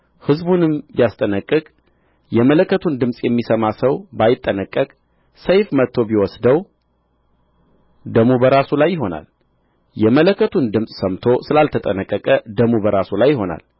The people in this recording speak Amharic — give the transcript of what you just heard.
ሕዝቡንም ቢያስጠነቅቅ የመለከቱን ድምፅ የሚሰማ ሰው ባይጠነቀቅ ሰይፍ መጥቶ ቢወስደው ደሙ በራሱ ላይ ይሆናል የመለከቱን ድምፅ ሰምቶ ስላልተጠነቀቀ ደሙ በራሱ ላይ ይሆናል